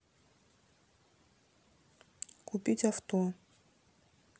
купить авто